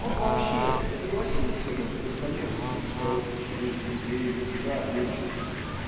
он вообще согласился бы с Достоевским, что "через детей душа лечится".